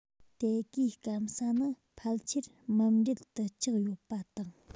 དེ གའི སྐམ ས ནི ཕལ ཆེར མུ འབྲེལ དུ ཆགས ཡོད པ དང